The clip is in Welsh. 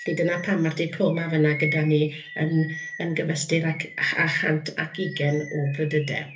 Felly dyna pam ma'r diploma fana gyda ni yn yn gyfystyr a a chant ac ugain o gredydau.